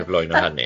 y blwyddyn hynny.